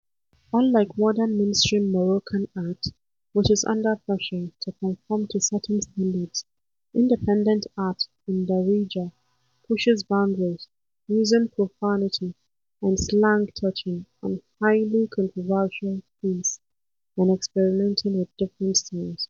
Unlike modern mainstream Moroccan art, which is under pressure to conform to certain standards, independent art in Darija pushes boundaries, using profanity and slang, touching on highly controversial themes, and experimenting with different styles.